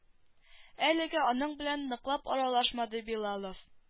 Әлегә аның белән ныклап аралашмады билалов